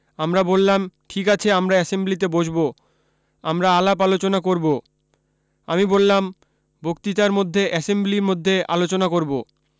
আমরা বললাম ঠিক আছে আমরা এসেম্বলিতে বসবো আমরা আলাপ আলোচনা করবো আমি বললাম বক্তিতার মধ্যে এসেম্বলি মধ্যে আলোচনা করবো